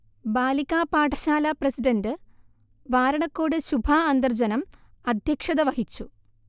ബാലികാപാഠശാല president Varanakkode Subha അന്തർജനം അധ്യക്ഷത വഹിച്ചു